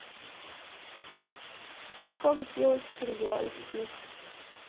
как сделать стреляющий